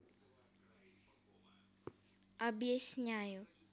объясняю